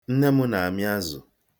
Nne m na-amị azụ.